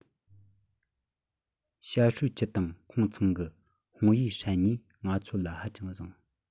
ཞ ཧྲུའུ ཆིན དང ཁོ ཚང གི ཧོང ཡུས ཧྲན གཉིས ང ཚོ ལ ཧ ཅང བཟང